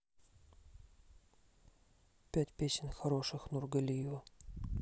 пять песен хороших нургалиева